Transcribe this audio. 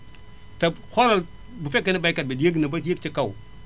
te xoolal bu fekkee ne baykat bi yéeg na ba yéeg ci kaw